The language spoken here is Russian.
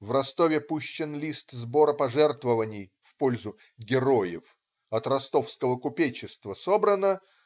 В Ростове пущен лист сбора пожертвований в пользу "героев", от ростовского купечества собрано.